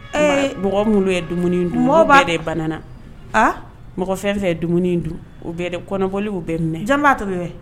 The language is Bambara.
Ee mɔgɔ mulu yɛ dumuni in dun mɔɔ baa ulu bɛɛ de banana aa mɔgɔ fɛn fɛ ye dumuni in dun u bɛɛ de kɔnɔbɔli y'u bɛɛ minɛ jɔn b'a tɔbi wɛ